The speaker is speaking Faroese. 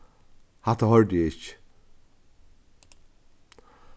hatta hoyrdi eg ikki